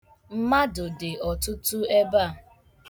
Mmadụ dị ọtụtụ ebe a.